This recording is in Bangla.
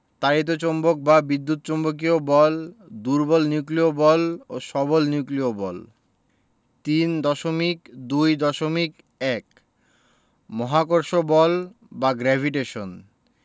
তাড়িৎ চৌম্বক বা বিদ্যুৎ চৌম্বকীয় বল দুর্বল নিউক্লিয় বল ও সবল নিউক্লিয় বল ৩.২.১ মহাকর্ষ বল বা গ্রেভিটেশন